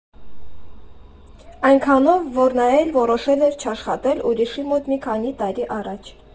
Այնքանով, որ նա էլ որոշել էր չաշխատել ուրիշի մոտ մի քանի տարի առաջ։